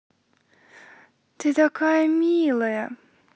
ты такая милая